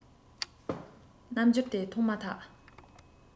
རྣམ འགྱུར དེ མཐོང མ ཐག